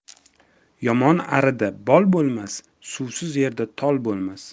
yomon arida bol bo'lmas suvsiz yerda tol